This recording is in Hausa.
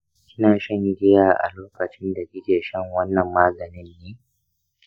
kina shan giya a lokacin da kike shan wannan maganin ne?